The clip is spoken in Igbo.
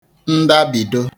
ndàbido